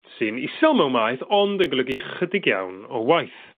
sy'n isel mewn maeth ond yn golygu chydig iawn o waith